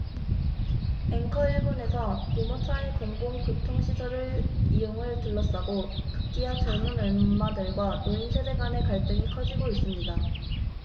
앵커 일본에서 유모차의 공공 교통시설 이용을 둘러싸고 급기야 젊은 엄마들과 노인 세대 간의 갈등이 커지고 있습니다